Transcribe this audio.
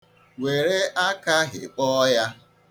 Were aka hịkpọọ ya.